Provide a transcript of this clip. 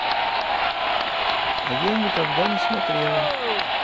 а я никогда не смотрела